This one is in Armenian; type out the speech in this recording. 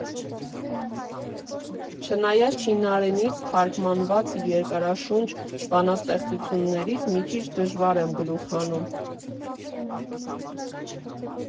Չնայած չինարենից թարգմանված երկարաշունչ «բանաստեղծություններից» մի քիչ դժվար եմ գլուխ հանում։